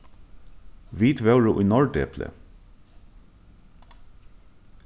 vit vóru í norðdepli